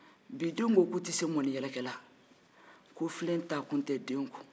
bi denw ko k'u tɛ se mɔni yɛrɛkɛ la ko filen ta kun tɛ denw kun